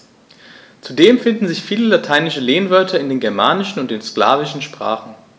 Zudem finden sich viele lateinische Lehnwörter in den germanischen und den slawischen Sprachen.